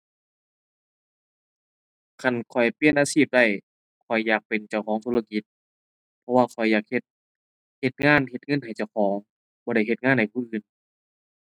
คันข้อยเปลี่ยนอาชีพได้ ข้อยอยากเป็นเจ้าของธุรกิจ เพราะว่าข้อยอยากเฮ็ด เฮ็ดงาน เฮ็ดเงินให้เจ้าของ บ่ได้เฮ็ดงานให้ผู้อื่น